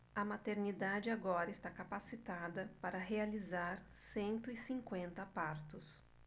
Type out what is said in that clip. a maternidade agora está capacitada para realizar cento e cinquenta partos